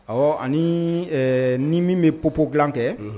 Ɔ ani ni min bɛ pp dilan kɛ